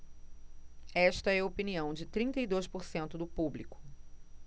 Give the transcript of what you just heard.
esta é a opinião de trinta e dois por cento do público